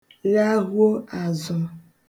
ghahuo āzụ̄